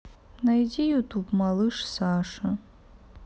найди на ютуб малыш саша